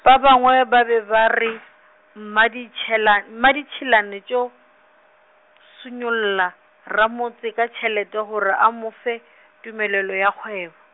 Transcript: ba bangwe ba be ba re, Mmaditšela- Mmaditšhilane tšo, šunyolla ramotse ka tšhelete gore a mo fe, tumelelo ya kgwebo.